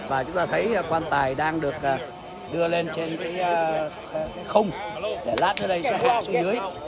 và chúng ta thấy quan tài đang được đưa lên trên cái khung để lát nữa đây sẽ hạ xuống dưới